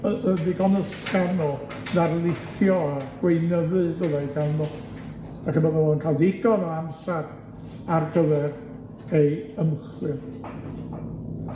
y- y- ddigon ysgafn o ddarlithio a gweinyddu fyddai ganddo, ac y bydda fo'n ca'l ddigon o amsar ar gyfer ei ymchwil.